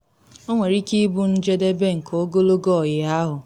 Ọ nwere ike ịbụ njedebe nke ogologo ọyị ahụ.